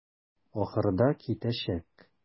Ахырда китәчәк.